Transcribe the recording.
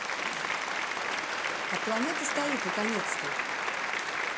а планета стоит наконецто